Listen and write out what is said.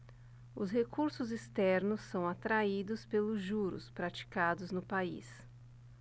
os recursos externos são atraídos pelos juros praticados no país